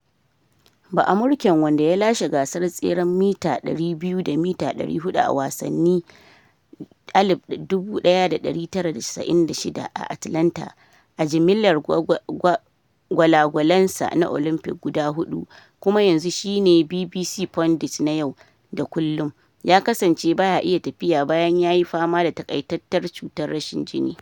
Ba’amurken, wanda ya lashe gasar tseren mita 200 da mita 400 a wasannin 1996 a Atlanta a jimillar gwalagwalan sa na Olympic guda hudu kuma yanzu shi ne BBC pundit na yau da kullun, ya kasance baya iya tafiya bayan yayi fama da takaitattar cutar rashin jini.